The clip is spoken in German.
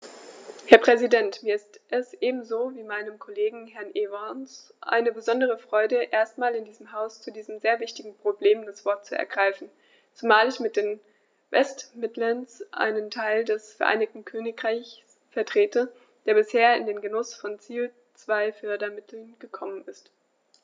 Herr Präsident, mir ist es ebenso wie meinem Kollegen Herrn Evans eine besondere Freude, erstmals in diesem Haus zu diesem sehr wichtigen Problem das Wort zu ergreifen, zumal ich mit den West Midlands einen Teil des Vereinigten Königreichs vertrete, der bisher in den Genuß von Ziel-2-Fördermitteln gekommen ist.